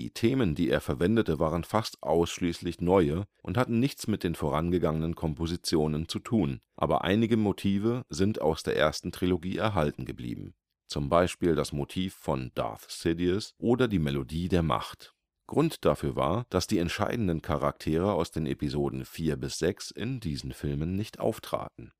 Themen, die er verwendete, waren fast ausschließlich neue und hatten nichts mit den vorangegangen Kompositionen zu tun, aber einige Motive sind aus der ersten Trilogie erhalten geblieben, z. B. das Motiv von Darth Sidious oder die Melodie der Macht. Grund dafür war, dass die entscheidenden Charaktere aus den Episoden IV – VI in diesen Filmen nicht auftraten